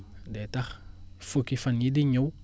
day tax fukki fan yii di ñëw